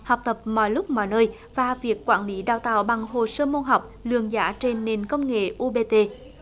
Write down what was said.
học tập mọi lúc mọi nơi và việc quản lý đào tạo bằng hồ sơ môn học lượng giá trên nền công nghệ u bê tê